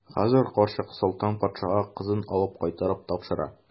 Хәзер карчык Солтан патшага кызын алып кайтып тапшыра.